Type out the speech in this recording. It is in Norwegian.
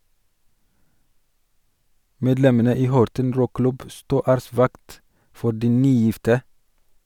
Medlemmene i Horten roklubb sto æresvakt for de nygifte.